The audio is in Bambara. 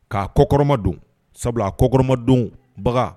K'a kɔkɔrɔma don sabula a kɔkɔrɔmadon baga